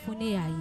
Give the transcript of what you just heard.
Foli de y'a ye